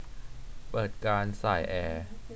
เปิดการส่ายแอร์